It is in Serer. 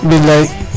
bilay ten a yipel de